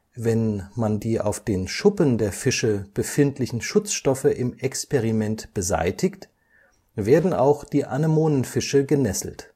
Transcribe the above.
Wenn man die auf den Schuppen der Fische befindlichen Schutzstoffe im Experiment beseitigt, werden auch die Anemonenfische genesselt